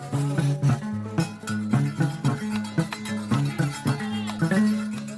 Maa maa